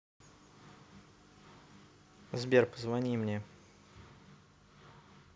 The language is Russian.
сбер позвони мне